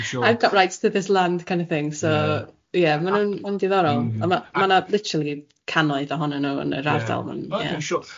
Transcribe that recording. I've got rights to this land kind of thing, so... Ie. ...ie maen nhw'n yn ddiddorol a ma' ma' na literally cannoedd ohonyn nhw yn yr ardal hwn.. Ie dwi'n siwr